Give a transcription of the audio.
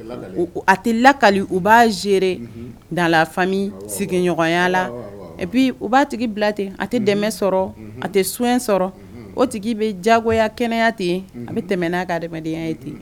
A tɛ lakali u b'a ze dami sigiɲɔgɔnya la bi u b'a tigi bila ten a tɛ dɛmɛ sɔrɔ a tɛ so sɔrɔ o tigi bɛ jagoya kɛnɛyaya ten yen a bɛ tɛmɛɛnaya ka adamadenyaya ye ten yen